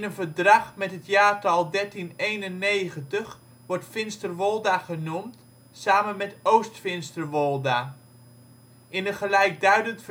verdrag met het jaartal 1391 wordt ' Finsterwolda ' genoemd, samen met ' Oostfinsterwolda '. In een gelijkduidend